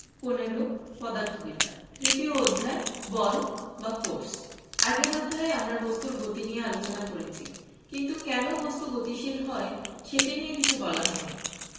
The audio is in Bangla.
১৫পদার্থবিদ্যা তৃতীয় অধ্যায় বল বা ফোরস আগের অধ্যায়ে আমরা বস্তুর গতি নিয়ে আলোচনা করেছি কিন্তু কেন বস্তু গতিশীল হয় সেটি নিয়ে কিছু বলা হয়নি